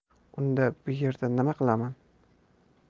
unda bu yerda nima qilaman